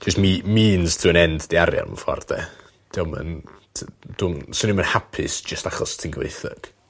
Jys me- means to an end 'di arian mewn ffordd 'de? 'Di o'm yn t- dw'm... Swn i'm yn hapus just achos ti'n gyfoethog.